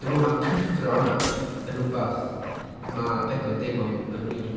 Dwi'n meddwl mae'r cyffro yna yn wbath mae Begw yn deimlo yn yn Wini.